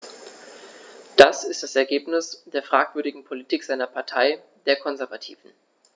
Das ist das Ergebnis der fragwürdigen Politik seiner Partei, der Konservativen.